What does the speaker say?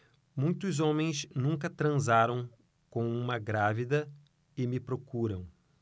muitos homens nunca transaram com uma grávida e me procuram